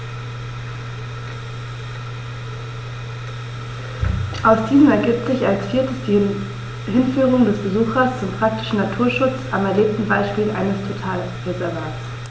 Aus diesen ergibt sich als viertes die Hinführung des Besuchers zum praktischen Naturschutz am erlebten Beispiel eines Totalreservats.